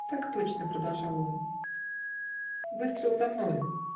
"Так точно, -- продолжал он, -- выстрел за мною